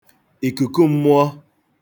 ìkùku m̄mụ̄ọ̄